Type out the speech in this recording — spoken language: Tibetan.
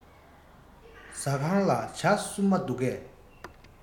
ཟ ཁང ལ ཇ སྲུབས མ འདུག གས